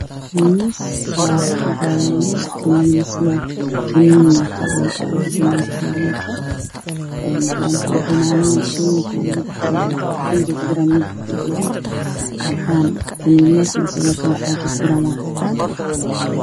Waa saaran kartoomooyin ay ku jiraan daawooyinka qofka xanuunsan oo cuna waana daaweyn farabadan wa